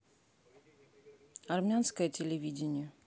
армянское телевидение